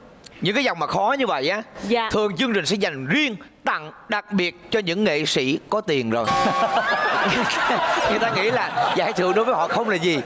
những cái dòng mà khó như vậy á thường chương trình sẽ dành riêng tặng đặc biệt cho những nghệ sĩ có tiền rồi người ta nghĩ là giải thưởng đối với họ không là gì